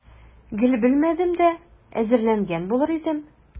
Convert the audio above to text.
Гел белмәдем дә, әзерләнгән булыр идем.